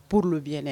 Polu bɛy